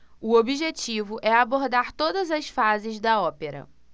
o objetivo é abordar todas as fases da ópera